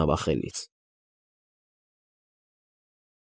Նավախելից։ ֊